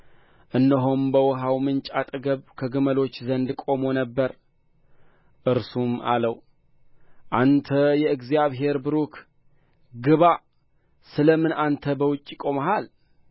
እነሆም በውኃው ምንጭ አጠገብ ከግመሎቹ ዘንድ ቆሞ ነበር እርሱም አለው አንተ የእግዚአብሔር ቡሩክ ግባ ስለምን አንተ በውጪ ቆመሃል